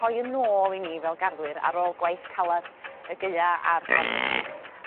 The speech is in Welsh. rhoi yn nôl i ni fel garddwyr ar ôl gwaith calad y Gaea ar Gwanwyn.